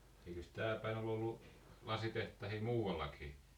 eikös täälläpäin oli ollut lasitehtaita muuallakin